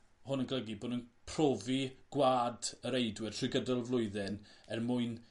hwn yn golygu bo' nw'n profi gwa'd y reidwyr trwy gydol y flwyddyn er mwyn